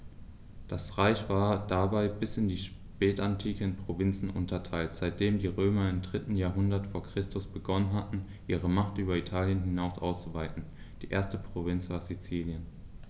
Das Reich war dabei bis in die Spätantike in Provinzen unterteilt, seitdem die Römer im 3. Jahrhundert vor Christus begonnen hatten, ihre Macht über Italien hinaus auszuweiten (die erste Provinz war Sizilien).